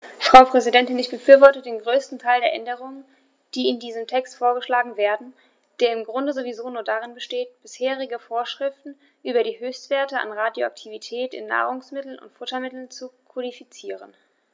Frau Präsidentin, ich befürworte den größten Teil der Änderungen, die in diesem Text vorgeschlagen werden, der im Grunde sowieso nur darin besteht, bisherige Vorschriften über die Höchstwerte an Radioaktivität in Nahrungsmitteln und Futtermitteln zu kodifizieren.